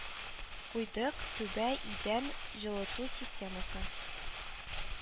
Куйдык, түбә, идән, җылыту системасы